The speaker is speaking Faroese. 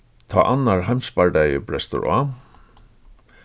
tá annar heimsbardagi brestur á